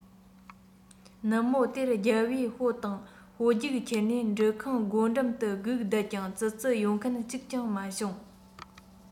ནུབ མོ དེར རྒྱལ པོས སྦོ དང སྦོ རྒྱུགས ཁྱེར ནས འབྲུ ཁང སྒོ འགྲམ དུ སྒུག བསྡད ཀྱང ཙི ཙི ཡོང མཁན གཅིག ཀྱང མ བྱུང